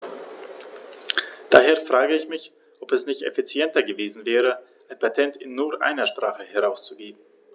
Daher frage ich mich, ob es nicht effizienter gewesen wäre, ein Patent in nur einer Sprache herauszugeben.